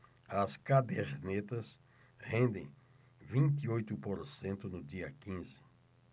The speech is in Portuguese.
as cadernetas rendem vinte e oito por cento no dia quinze